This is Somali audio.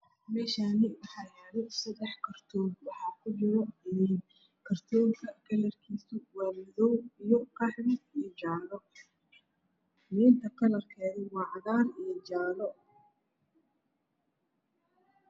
Meeshaan waxaa yaalo seddex kartoon waxaa kujiro liin. Kartoonka kalarkiisu waa madow iyo qaxwi iyo jaalo. Liinta kalarkeedu waa cadaan iyo jaalo.